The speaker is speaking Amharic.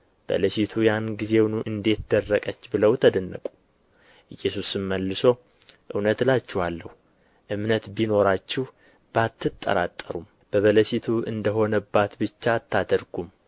በለሲቱ ያንጊዜውን እንዴት ደረቀች ብለው ተደነቁ ኢየሱስም መልሶ እውነት እላችኋለሁ እምነት ቢኖራችሁ ባትጠራጠሩም በበለሲቱ እንደ ሆነባት ብቻ አታደርጉም